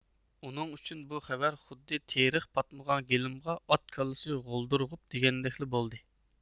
ئۇنىڭ ئۈچۈن بۇ خەۋەر خۇددى تېرىق پاتمىغان گېلىمغا ئات كاللىسى غولدۇر غوپ دېگەندەكلا بولدى